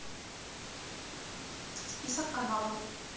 список каналов